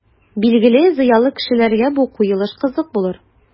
Билгеле, зыялы кешеләргә бу куелыш кызык булыр.